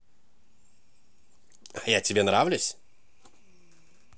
а я тебе нравлюсь